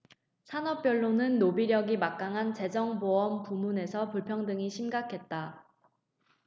산업별로는 로비력이 막강한 재정 보험 부문에서 불평등이 심각했다